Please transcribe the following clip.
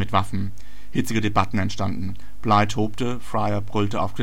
Waffen. Hitzige Debatten entstanden, Bligh tobte, Fryer brüllte auf